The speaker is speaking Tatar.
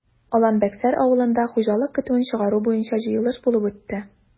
Алан-Бәксәр авылында хуҗалык көтүен чыгару буенча җыелыш булып үтте.